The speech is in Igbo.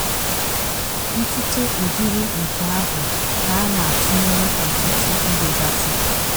Ntụte ụdịrị nke ahụ ka a na-atunyere ọtụtụ ihe gasị.